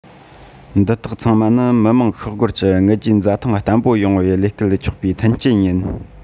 འདི དག ཚང མ ནི མི དམངས ཤོག སྒོར གྱི དངུལ བརྗེས འཛའ ཐང བརྟན པོ ཡོང བའི བློས བཀལ ཆོག པའི མཐུན རྐྱེན ཡིན